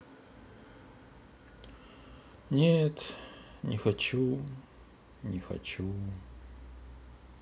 нет не хочу не хочу